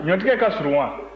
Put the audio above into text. ɲɔtigɛ ka surun wa